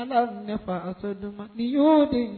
Ala ne a ni ɲɔ di